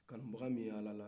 kanun baga minbe ala la